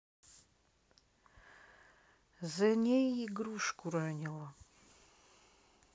the ней игрушку ранила